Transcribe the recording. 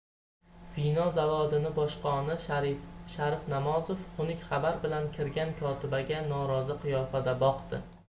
vino zavodining boshqoni sharif namozov xunuk xabar bilan kirgan kotibaga norozi qiyofada boqdi